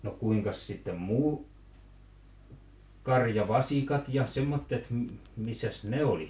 no kuinkas sitten muu karja vasikat ja semmoiset - missäs ne oli